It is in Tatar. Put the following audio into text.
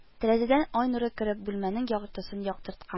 Тәрәзәдән ай нуры кереп, бүлмәнең яртысын яктырткан